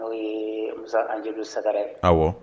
N'o ye mu an jeliw saɛrɛ ye aw